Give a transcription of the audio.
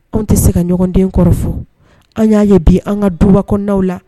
Anw tɛ se ka ɲɔgɔnden kɔrɔ fɔ an y'a ye bi an ka dubakdaw la